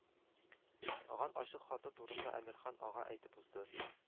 Ган ачык хаты турында әмирхан ага әйтеп узды